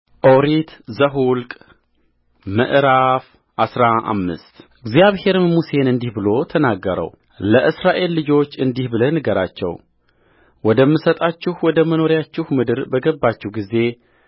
ኦሪት ዘኍልቍ ምዕራፍ አስራ አምስት እግዚአብሔርም ሙሴን እንዲህ ብሎ ተናገረውለእስራኤል ልጆች እንዲህ ብለህ ንገራቸው ወደምሰጣችሁ ወደ መኖሪያችሁ ምድር በገባችሁ ጊዜ